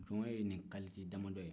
jɔn ye nin suguya damadɔ ye